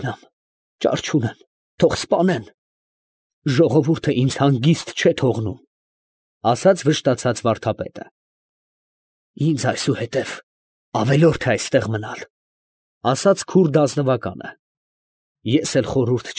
Գնամ, ճար չունեմ, թող սպանեն… ֊ ասաց վշտացած վարդապետը։ ֊ Ժողովուրդը ինձ հանգիստ չէ թողնում… ֊ Ինձ այսուհետև ավելորդ է այստեղ մնալ… ֊ ասաց քուրդ ազնվականը։ ֊ Ես էլ խորհուրդ։